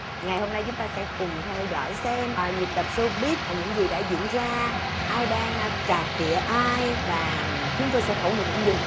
ngày hôm nay chúng ta sẽ cùng theo dõi xem vài nhịp đập sâu bít những gì đã diễn ra ai đang cà khịa ai và chúng tôi sẽ khẩu nghiệp những gì